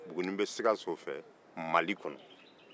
buguni bɛ sikaso fɛ mali kɔnɔ